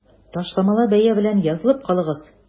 Ташламалы бәя белән язылып калыгыз!